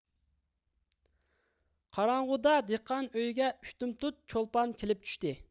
قاراڭغۇدا دېھقان ئۆيىگە ئۇشتۇمتۇت چولپان كېلىپ چۈشتى